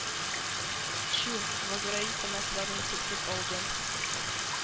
Чү! Газраил канатларын селкеп алды,